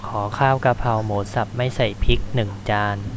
ขอข้าวกะเพราหมูสับไม่ใส่พริกหนึ่งจาน